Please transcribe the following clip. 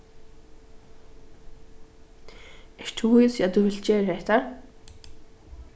ert tú vís í at tú vilt gera hetta